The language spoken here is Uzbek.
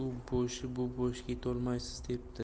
u boshidan bu boshiga yetolmaysiz debdi